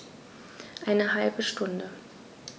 Eine halbe Stunde